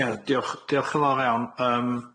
Ie diolch, diolch yn fawr iawn, yym,